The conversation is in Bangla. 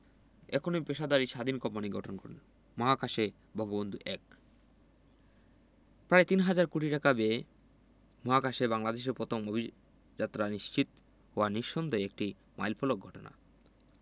এখনই পেশাদারি স্বাধীন কোম্পানি গঠন করুন মহাকাশে বঙ্গবন্ধু ১ প্রায় তিন হাজার কোটি টাকা ব্যয়ে মহাকাশে বাংলাদেশের প্রথম অভিযাত্রা নিশ্চিত হওয়া নিঃসন্দেহে একটি মাইলফলক ঘটনা